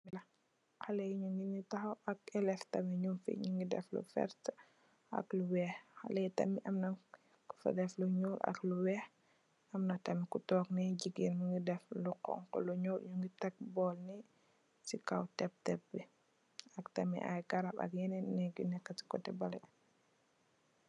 Haley nungi ni tahaw ak eliff tamit nung fi, nungi def lu vert ak lu weeh. Haley tamit amna ku fa def lu ñuul ak lu weeh. Amna tamit ku toog mi jigèen mungi def lu honku, lu ñuul mungi teg bool ni ci kaw tèp, tèp bi ak tamit ay garab ak yenen neeg yu nekka ci kotè balè.